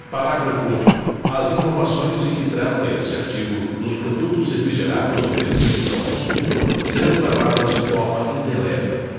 parágrafo único as informações de que trata este artigo nos produtos refrigerados oferecidos ao consumidor serão gravadas de forma indelével